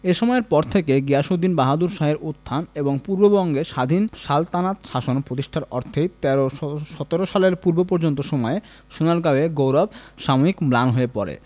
এ সময়ের পর থেকে গিয়াসুদ্দীন বাহাদুর শাহের উত্থান এবং পূর্ববঙ্গে স্বাধীন সালতানাত শাসন প্রতিষ্ঠার অর্থাৎ ১৩১৭ সালের পূর্ব পর্যন্ত সময়ে সোনারগাঁয়ের গৌরব সাময়িক ম্লান হয়ে পড়ে